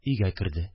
Өйгә керде